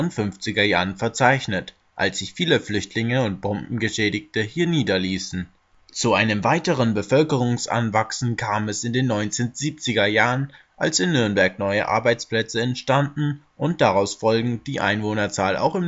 1950er Jahren verzeichnet, als sich viele Flüchtlinge und Bombengeschädigte hier niederließen. Zu einem weiteren Bevölkerungsanwachsen kam es in den 1970er Jahren, als in Nürnberg neue Arbeitsplätze entstanden und daraus folgend die Einwohnerzahl auch